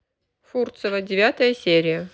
фурцева девятая серия